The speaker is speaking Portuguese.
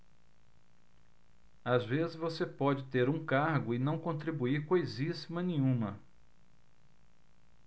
às vezes você pode ter um cargo e não contribuir coisíssima nenhuma